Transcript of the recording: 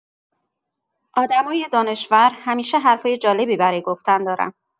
آدمای دانشور همیشه حرفای جالبی برای گفتن دارن.